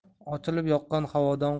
ochilib yoqqan havodan